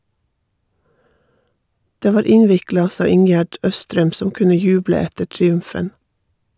Det var innvikla, sa Ingjerd Østrem, som kunne juble etter triumfen.